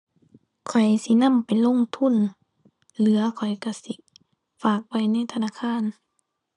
ข้อยสินำไปลงทุน เหลือข้อยก็สิฝากไว้ในธนาคาร